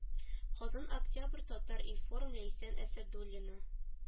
-- казан октябрь татар-информ ләйсән әсәдуллина